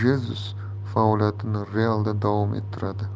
jezus faoliyatini real da davom ettiradi